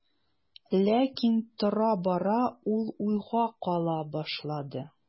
Ләкин тора-бара ул уйга кала башлады.